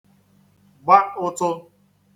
-gba ụtụ̄